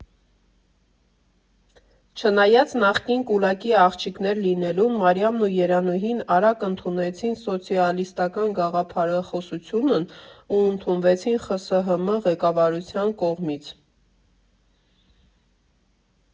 Չնայած նախկին կուլակի աղջիկներ լինելուն, Մարիամն ու Երանուհին արագ ընդունեցին սոցիալիստական գաղափարախոսությունն ու ընդունվեցին ԽՍՀՄ ղեկավարության կողմից։